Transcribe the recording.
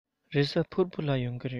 རེས གཟའ ཕུར བུ ལ ཡོང གི རེད